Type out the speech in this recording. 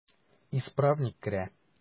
Исправник керә.